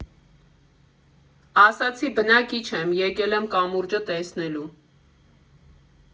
Ասացի՝ բնակիչ եմ, եկել եմ կամուրջը տեսնելու։